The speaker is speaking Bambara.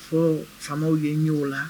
Foo ye faamaw ye ɲe o la